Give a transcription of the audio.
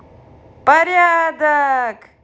порядок